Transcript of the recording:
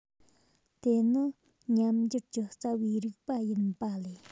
དེ ནི ཉམས འགྱུར གྱི རྩ བའི རིགས པ ཡིན པ ལས